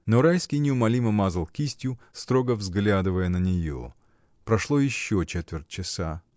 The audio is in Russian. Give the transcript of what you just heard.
Но Райский неумолимо мазал кистью, строго взглядывая на нее. Прошло еще четверть часа.